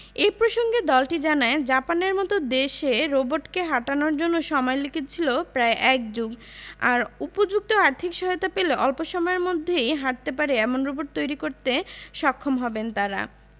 এ প্রসঙ্গে দলটি জানায় জাপানের মতো দেশে রোবটকে হাঁটানোর জন্য সময় লেগেছিল প্রায় এক যুগ আর উপযুক্ত আর্থিক সহায়তা পেলে অল্প সময়ের মধ্যেই হাঁটতে পারে এমন রোবট তৈরি করতে সক্ষম হবেন তারা